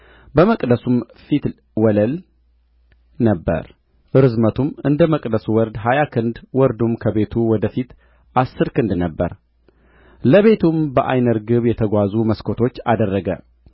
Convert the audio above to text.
በመቅደሱም ፊት ወለል ነበረ ርዝመቱም እንደ መቅደሱ ወርድ ሀያ ክንድ ወርዱም ከቤቱ ወደፊት አሥር ክንድ ነበረ ለቤቱም በዓይነ ርግብ የተዘጉ መስኮቶች አደረገ